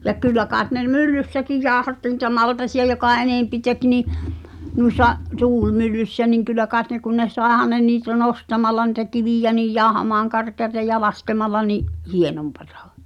ja kyllä kai ne myllyssäkin jauhatti niitä maltaita joka enempi teki niin noissa tuulimyllyssä niin kyllä kai ne kun ne saihan ne niitä nostamalla niitä kiviä niin jauhamaan karkeaa ja laskemalla niin hienompaa